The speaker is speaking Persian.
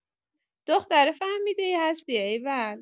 دختر فهمیده‌ای هستی، ایول!